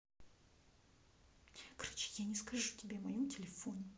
короче я не скажу тебе о моем телефоне